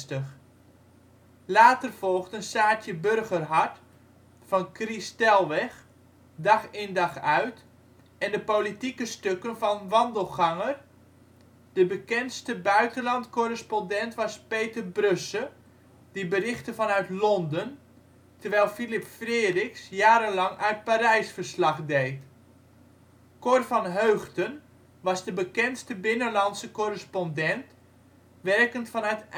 1968. Later volgden ' Saartje Burgerhardt ' van Cri Stellweg, ' Dag in dag uit ', en de politieke stukken van Wandelganger (Henri Faas). De bekendste buitenlandcorrespondent was Peter Brusse, die berichtte vanuit Londen, terwijl Philip Freriks jarenlang uit Parijs verslag deed. Cor van Heugten was de bekendste binnenlandse correspondent, werkend vanuit Eindhoven